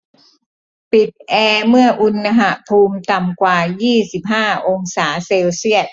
ปิดแอร์เมื่ออุณหภูมิต่ำกว่ายี่สิบห้าองศาเซลเซียส